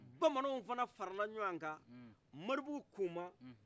bamananw fana farala ɲɔgɔnkan mɔribugu kuma